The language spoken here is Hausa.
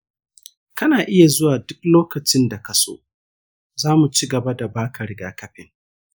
kana iya zuwa duk lokacin da ka so; za mu ci gaba da ba ka rigakafin.